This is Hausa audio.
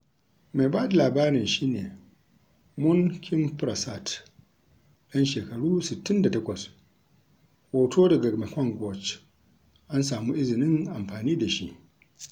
Mai ba da labarin shi ne Mun Kimprasert, ɗan shekaru 68, Hoto daga Mekong Watch, an samu izinin amfani da shi.